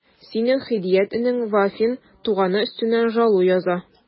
Синең Һидият энең Вафин туганы өстеннән жалу яза...